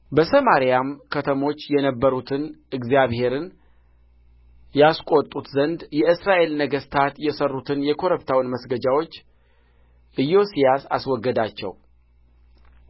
በሰማሪያም ከተሞች የነበሩትን እግዚአብሔርን ያስቈጡት ዘንድ የእስራኤል ነገሥታት የሠሩትን የኮረብታውን መስገጃዎች ኢዮስያስ አስወገዳቸው